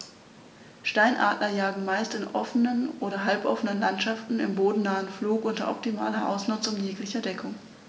Steinadler jagen meist in offenen oder halboffenen Landschaften im bodennahen Flug unter optimaler Ausnutzung jeglicher Deckung.